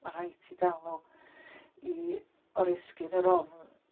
Mae'n rhaid i ti gael nhw i oresgyn y wrong...